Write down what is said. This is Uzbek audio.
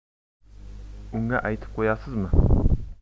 unga aytib qo'yasizmi